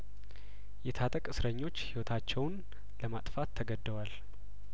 የታጠቅ እስረኞች ህይወታቸውን ለማጥፋት ተገደዋል